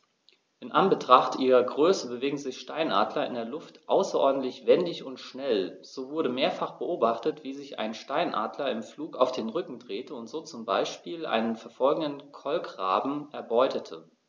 In Anbetracht ihrer Größe bewegen sich Steinadler in der Luft außerordentlich wendig und schnell, so wurde mehrfach beobachtet, wie sich ein Steinadler im Flug auf den Rücken drehte und so zum Beispiel einen verfolgenden Kolkraben erbeutete.